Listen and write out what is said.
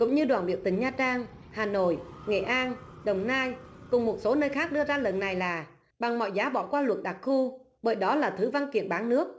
cũng như đoàn biểu tình nha trang hà nội nghệ an đồng nai cùng một số nơi khác đưa ra lần này là bằng mọi giá bỏ qua luật đặc khu bởi đó là thứ văn kiện bán nước